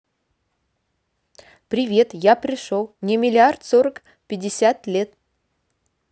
привет я пришел мне миллиард сорок пятьдесят лет